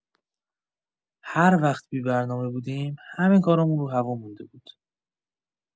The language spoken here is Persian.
هر وقت بی‌برنامه بودیم، همه کارامون رو هوا مونده بود!